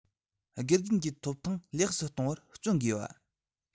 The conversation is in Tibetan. དགེ རྒན གྱི ཐོབ ཐང ལེགས སུ གཏོང བར བརྩོན དགོས པ